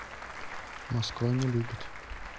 москва не любит